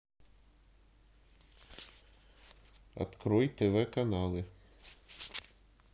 открой тв каналы